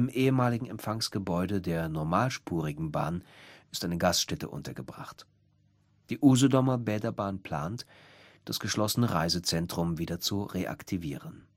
ehemaligen Empfangsgebäude der normalspurigen Bahn ist eine Gaststätte untergebracht. Die Usedomer Bäderbahn plant, das geschlossene Reisezentrum wieder zu reaktivieren